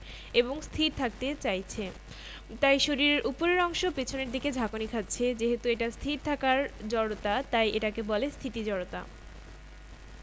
এবং স্থির থাকতে চাইছে তাই শরীরের ওপরের অংশ পেছনের দিকে ঝাঁকুনি খাচ্ছে যেহেতু এটা স্থির থাকার জড়তা তাই এটাকে বলে স্থিতি জড়তা